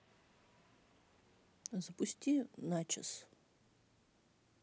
запусти начос